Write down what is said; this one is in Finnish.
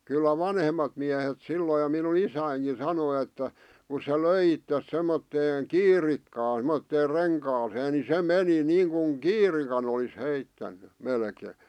kyllä vanhemmat miehet silloin jo minun isänikin sanoi että kun se löi itsensä semmoiseen kiirikkaan semmoiseen renkaaseen niin se meni niin kuin kiirikan olisi heittänyt melkein